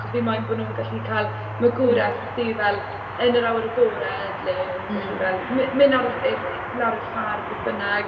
Achos fi moyn bod nhw'n gallu cael magwraeth... mm. ...sydd fel yn yr awyr agored, le maen nhw'n... mm. ...gallu fel myn' myn' ar yr... i'r... lawr i'r ffarm beth bynnag.